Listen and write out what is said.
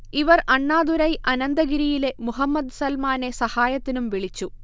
ഇവർ അണ്ണദുരൈ അനന്തഗിരിയിലെ മുഹമ്മദ് സൽമാനെ സഹായത്തിനും വിളിച്ചു